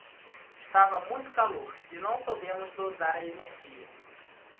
estava muito calor e não soubemos dosar a energia